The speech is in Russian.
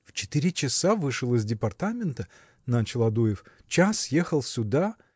– В четыре часа вышел из департамента, – начал Адуев, – час ехал сюда.